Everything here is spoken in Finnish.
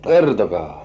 no kertokaahan